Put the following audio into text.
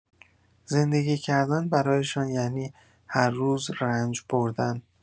زندگی کردن برایشان یعنی هر روز رنج بردن.